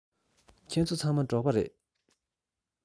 ཁྱེད ཚོ ཚང མ འབྲོག པ རེད